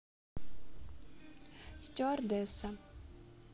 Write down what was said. стюардесса